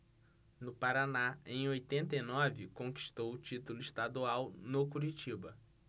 no paraná em oitenta e nove conquistou o título estadual no curitiba